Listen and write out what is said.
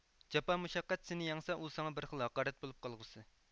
جاپا مۇشەققەت سېنى يەڭسە ئۇ ساڭا بىر خىل ھاقارەت بولۇپ قالغۇسى